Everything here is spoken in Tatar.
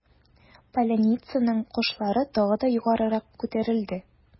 Поляницаның кашлары тагы да югарырак күтәрелде.